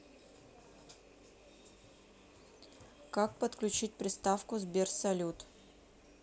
как подключить приставку сбер салют